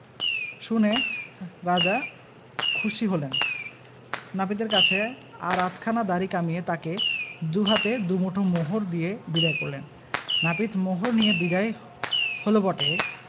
শুনে রাজা খুশি হলেন নাপিতের কাছে আর আধখানা দাড়ি কামিয়ে তাকে দু হাতে দু মুঠো মোহর দিয়ে বিদায় করলেন নাপিত মোহর নিয়ে বিদায় হল বটে